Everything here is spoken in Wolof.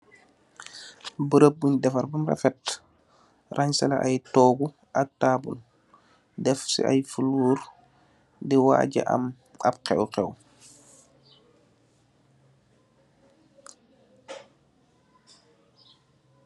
Barab bug dafar bam refet, rangsale ay tugu ak tabul, defsi ay folor di waja am ab xewxew